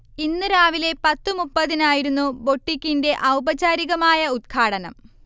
ഇന്ന് രാവിലെ പത്ത് മുപ്പതിനായിരുന്നു ബൊട്ടിക്കിന്റെ ഔപചാരികമായ ഉദ്ഘാടനം